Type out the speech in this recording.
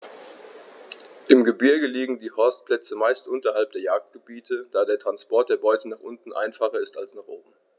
Im Gebirge liegen die Horstplätze meist unterhalb der Jagdgebiete, da der Transport der Beute nach unten einfacher ist als nach oben.